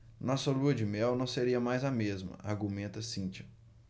nossa lua-de-mel não seria mais a mesma argumenta cíntia